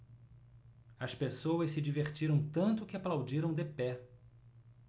as pessoas se divertiram tanto que aplaudiram de pé